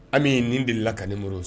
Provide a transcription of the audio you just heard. An bɛ nin deli la ka ni muru